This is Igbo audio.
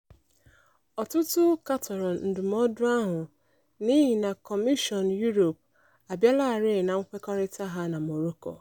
Ọtụtụ katọrọ ndụmọdụ ahụ n'ihi na Kọmishọn Europe abịalarị na nkwekọrịta ha na Morocco.